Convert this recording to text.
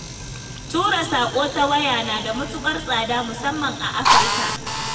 Tura saƙo ta waya na da matuƙar tsada, musamman a Afirka.